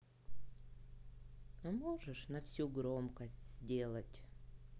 а можешь на всю громкость сделать